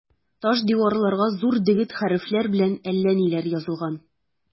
Таш диварларга зур дегет хәрефләр белән әллә ниләр язылган.